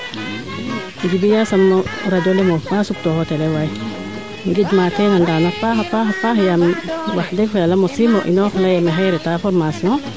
Djiby yaasam o radio le moof ba suptooxo télé waay ngid maa teen a Ndane a paax paax waay yaam wax deg fa yala mosiimo inoox maaga leye maxey reta formation